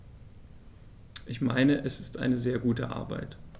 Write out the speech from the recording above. Ich meine, es ist eine sehr gute Arbeit.